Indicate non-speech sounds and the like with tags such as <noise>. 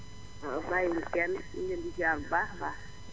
waaw bàyyi wu ñu kenn <noise> ñu ngi leen di ziyaar bu baax a baax